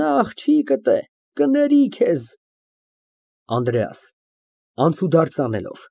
Նա աղջիկ է, կների քեզ։ ԱՆԴՐԵԱՍ ֊ (Անցուդարձ անելով)